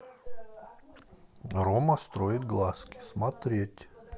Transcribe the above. рома строит глазки смотреть